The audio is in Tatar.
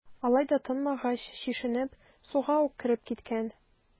Алай да тынмагач, чишенеп, суга ук кереп киткән.